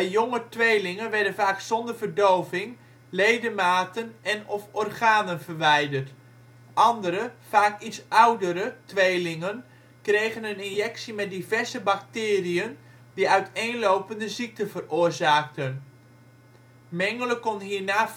jonge tweelingen werden vaak zonder verdoving ledematen en/of organen verwijderd. Andere, vaak iets oudere, tweelingen kregen een injectie met diverse bacteriën die uiteenlopende ziekten veroorzaakten. Mengele kon hierna